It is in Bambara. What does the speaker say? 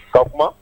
Ka kuma